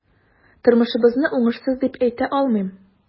Тормышыбызны уңышсыз дип әйтә алмыйм.